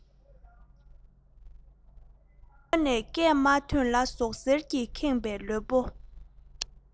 མགྲིན པ ནས སྐད མ ཐོན ལ ཟུག གཟེར གྱིས ཁེངས པའི ལུས པོ